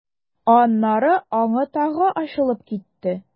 Аннары аңы тагы ачылып китте.